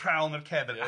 Rhawn yr cefn. Ie.